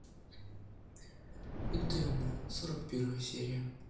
интерны сорок первая серия